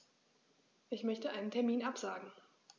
Ich möchte einen Termin absagen.